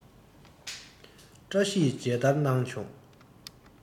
བཀྲ ཤིས མཇལ དར གནང བྱུང